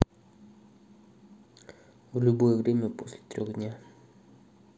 в любое время после трех дня